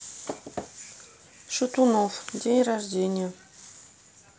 шатунов день рождения